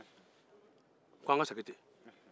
ko an ka segin ten